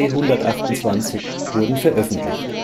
C128 wurden veröffentlicht